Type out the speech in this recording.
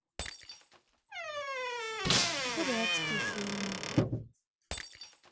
бурятские фильмы